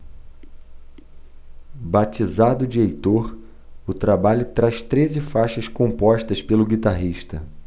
batizado de heitor o trabalho traz treze faixas compostas pelo guitarrista